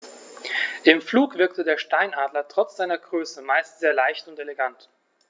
Im Flug wirkt der Steinadler trotz seiner Größe meist sehr leicht und elegant.